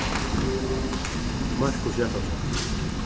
markus jakobsen